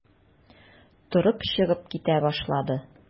Торып чыгып китә башлады.